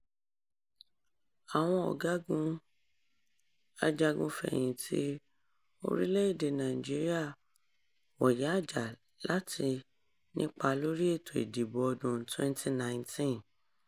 Àwọn ọ̀gágun ajagun fẹ̀yìntì orílẹ̀-èdè Nàìjíríà wọ̀yáàjà láti nípa lórí ètò ìdìbò ọdún-un 2019